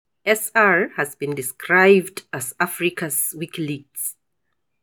SR has been described as Africa's Wikileaks.